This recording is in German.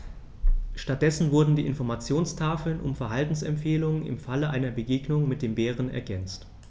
Stattdessen wurden die Informationstafeln um Verhaltensempfehlungen im Falle einer Begegnung mit dem Bären ergänzt.